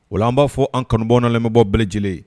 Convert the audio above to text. Ola an b'a fɔ an kanubaaw n'an lamɛbaa bɛɛ lajɛlen ye